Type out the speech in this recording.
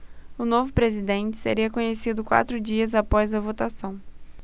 o novo presidente seria conhecido quatro dias após a votação